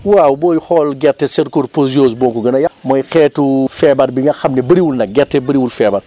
waaw booy xool gerte cercosporiose mookogën a yab mooy xeetu feebar bi nga xam ne bëriwul nag gerte bëriwul feebar